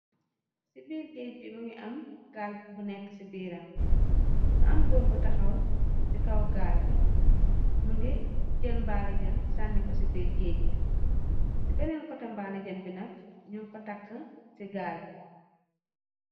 ci biir géej bi mi ngi am gaal bu nekk ci biir am ma am góor bu taxaw ci kaw gaal bi më ngi jël mbaali jën sànni ko ci biir géej bi ci beneen kote mbaali jën bi nekk ñu ko takk ci gaal bi